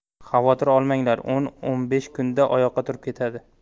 xavotir olmanglar o'n o'n besh kunda oyoqqa turib ketadi